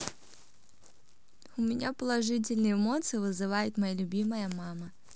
у меня положительные эмоции вызывает моя любимая мама